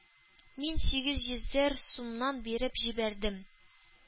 Мин сигез йөзәр сумнан биреп җибәрдем,